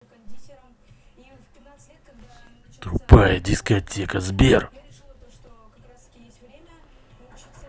тупая дискотека сбер